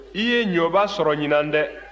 i ye ɲɔba sɔrɔ ɲinan dɛ